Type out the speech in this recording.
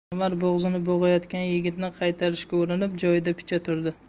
anvar bo'g'zini bo'g'ayotgan yig'ini qaytarishga urinib joyida picha turdi